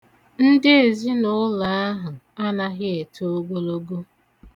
Ndị ezinụlọ ahụ anaghị eto ogologo.